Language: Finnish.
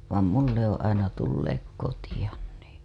vaan minun ne on aina tulleet kotiin niin